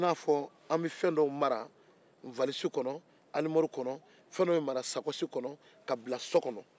i n'a fɔ an bɛ fɛn dɔw mara walisi kɔnɔ sakɔsi kɔnɔ arimɔri kɔnɔ